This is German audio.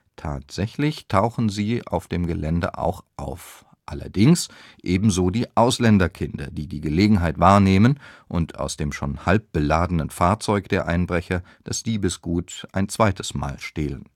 Tatsächlich tauchen sie auf dem Gelände auch auf – allerdings ebenso die Ausländerkinder, die die Gelegenheit wahrnehmen und aus dem schon halb beladenen Fahrzeug der Einbrecher das Diebesgut ein zweites Mal stehlen